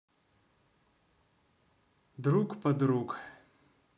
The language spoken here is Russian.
друг подруг